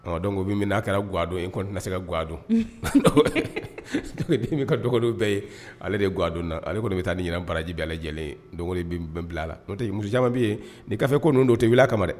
A kɛra gado se ka gadonden kadɔ bɛɛ ye ale de gadon ale kɔni bɛ taa ni jira baraji ale lajɛlen bilala muso caman bɛ yen'i'a ko don tɛ wulila a kama dɛ